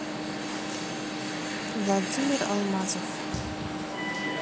владимир алмазов